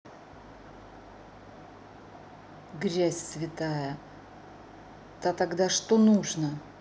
грязь святая то тогда что нужно